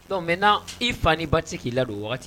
Don mɛ n i fa' ba se k'i la don o waati